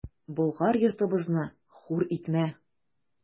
Болгар йортыбызны хур итмә!